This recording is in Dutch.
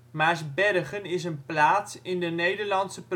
Maarsbergen is een plaats in de Nederlandse